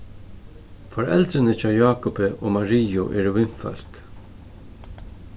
foreldrini hjá jákupi og mariu eru vinfólk